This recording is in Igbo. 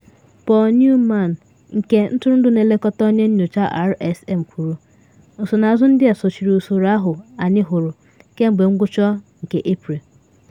Paul Newman, nke ntụrụndụ na nlekọta onye nyocha RSM kwuru: “Nsonaazụ ndị a sochiri usoro ahụ anyị hụrụ kemgbe ngwụcha nke Eprel.